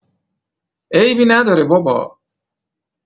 عیبی نداره بابا.